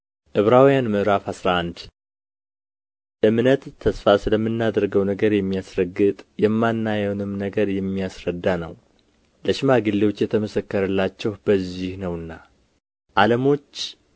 ዕብራውያን ምዕራፍ አስራ አንድ እምነትም ተስፋ ስለምናደርገው ነገር የሚያስረግጥ የማናየውንም ነገር የሚያስረዳ ነው ለሽማግሌዎች የተመሰከረላቸው በዚህ ነውና ዓለሞች